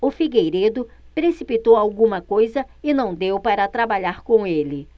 o figueiredo precipitou alguma coisa e não deu para trabalhar com ele